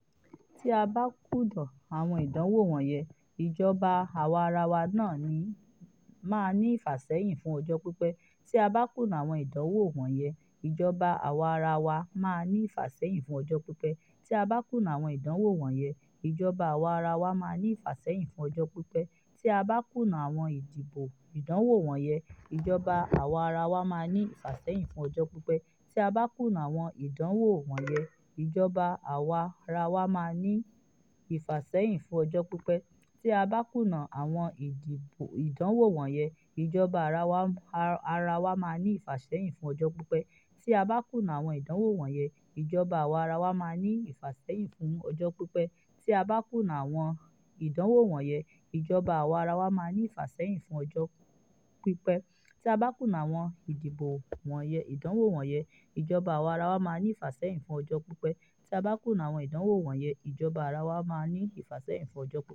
Tí a bá kùnà àwọn ìdánwò wọ̀nyẹn, ìjọba àwaarawa máa ní ìfàṣẹ́yìn fún ọjọ́ pípẹ́.